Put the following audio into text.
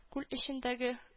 Күл эчендәге